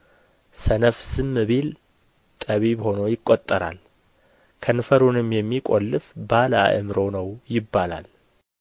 ሰነፍ ዝም ቢል ጠቢብ ሆኖ ይቈጠራል ከንፈሩንም የሚቈልፍ ባለ አእምሮ ነው ይባላል